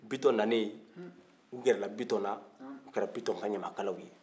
bitɔn nanen u gɛrɛla bitɔn na u kɛra bitɔn ka ɲamakalaw ye